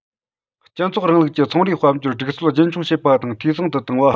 སྤྱི ཚོགས རིང ལུགས ཀྱི ཚོང རའི དཔལ འབྱོར སྒྲིག སྲོལ རྒྱུན འཁྱོངས བྱེད པ དང འཐུས ཚང དུ བཏང བ